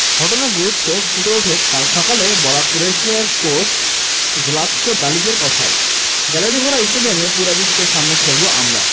ঘটনার গুরুত্ব ফুটে ওঠে কাল সকালে বলা ক্রোয়েশিয়ার কোচ জ্লাতকো দালিচের কথায় গ্যালারিভরা স্টেডিয়ামে পুরা বিশ্বের সামনে খেলব আমরা